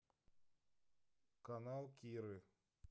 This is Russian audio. канал киры